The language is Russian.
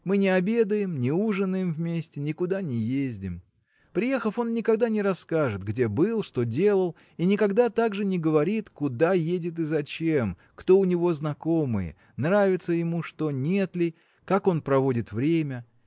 мы не обедаем, не ужинаем вместе, никуда не ездим. Приехав он никогда не расскажет где был что делал и никогда также не говорит куда едет и зачем кто у него знакомые нравится ему что нет ли как он проводит время.